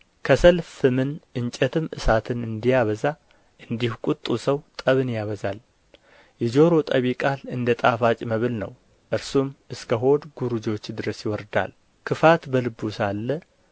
ከሰል ፍምን እንጨትም እሳትን እንዲያበዛ እንዲሁ ቍጡ ሰው ጠብን ያበዛል የጆሮ ጠቢ ቃል እንደ ጣፋጭ መብል ነው እርሱም እስከ ሆድ ጕርጆች ድረስ ይወርዳል ክፋት በልቡ ሳለ